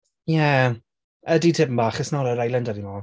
Ie. Ydy tipyn bach, it's not her island anymore.